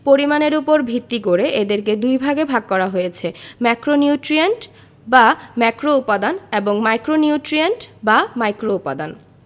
পরিমাণের উপর ভিত্তি করে এদেরকে দুইভাগে ভাগ করা হয়েছে ম্যাক্রোনিউট্রিয়েন্ট বা ম্যাক্রোউপাদান এবং মাইক্রোনিউট্রিয়েন্ট বা মাইক্রোউপাদান